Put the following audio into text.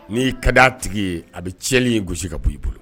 Ni ka da tigi ye. A bi tiɲɛli in gosi ka bi bolo.